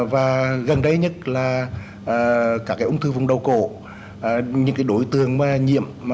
và gần đây nhất là à cái cái ung thư vùng đầu cổ những cái đối tượng mà nhiễm